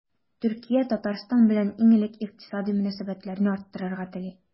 Төркия Татарстан белән иң элек икътисади мөнәсәбәтләрне арттырырга тели.